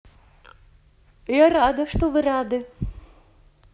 я рада что вы рады